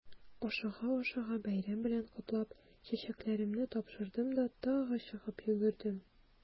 Ашыга-ашыга бәйрәм белән котлап, чәчәкләремне тапшырдым да тагы чыгып йөгердем.